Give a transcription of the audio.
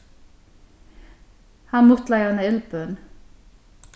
hann mutlaði eina illbøn